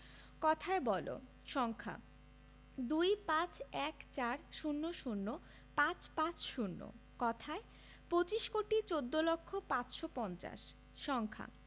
কথায় বলঃ সংখ্যাঃ ২৫ ১৪ ০০ ৫৫০ কথায়ঃ পঁচিশ কোটি চৌদ্দ লক্ষ পাঁচশো পঞ্চাশ সংখ্যাঃ